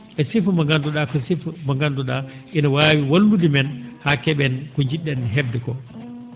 e sifa mo ngandu?aa ko sifa mo nganndu?aa ene waawi wallude men haa ke?en ko nji??en he?de koo